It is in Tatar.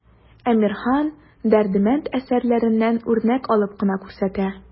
Әмирхан, Дәрдемәнд әсәрләреннән үрнәк алып кына күрсәтә.